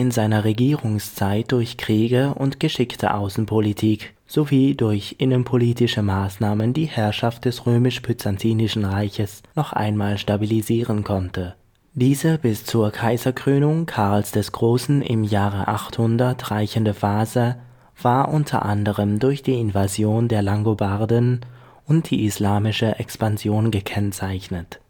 seiner Regierungszeit durch Kriege und geschickte Außenpolitik sowie durch innenpolitische Maßnahmen die Herrschaft des römisch-byzantinischen Reiches noch einmal stabilisieren konnte. Diese bis zur Kaiserkrönung Karls des Großen im Jahre 800 reichende Phase war u. a. durch die Invasion der Langobarden und die Islamische Expansion gekennzeichnet